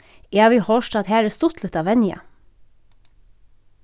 eg havi hoyrt at har er stuttligt at venja